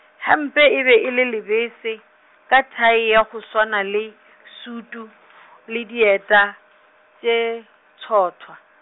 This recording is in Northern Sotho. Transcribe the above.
gempe e be e le lebese, ka thai ya go swana le , sutu , le dieta, tše, tsothwa.